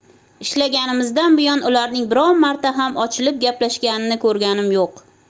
ishlaganimizdan buyon ularning biron marta ham ochilib gaplashganini ko'rganim yo'q